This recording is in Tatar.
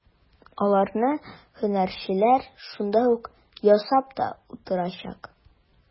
Аларны һөнәрчеләр шунда ук ясап та утырачак.